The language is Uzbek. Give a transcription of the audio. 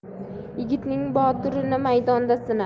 yigitning botirini maydonda sina